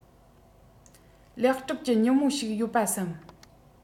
ལེགས གྲུབ གྱི ཉིན མོ ཞིག ཡོད པ བསམ